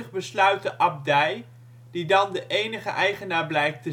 besluit de abdij (die dan de enige eigenaar blijkt